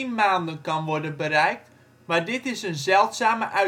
maanden kan worden bereikt, maar dit is een zeldzame